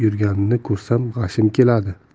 yurganini ko'rsam g'ashim keladi